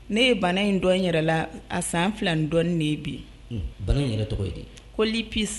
Ne ye bana in don n yɛrɛ la a san 2 ni dɔɔni de ye bi ye, unhun, bana in yɛrɛ tɔgɔ ye di ? Ko lupus